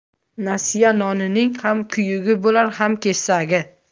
nasiya nonning ham kuyugi bo'lar ham kesagi